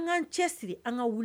An'an cɛ siri an ka wuli